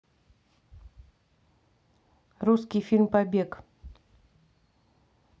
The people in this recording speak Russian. русский фильм побег